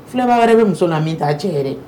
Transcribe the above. Filɛbaa wɛrɛ bɛ muso la min taa a cɛ yɛrɛ ye